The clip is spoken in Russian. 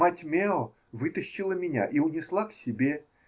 Мать Мео вытащила меня и унесла к себе.